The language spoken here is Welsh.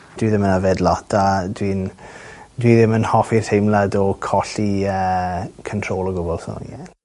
dwi ddim yn yfed lot a dwi'n dwi ddim yn hoffi'r teimlad o colli yy cyntrol o gwbl so ie.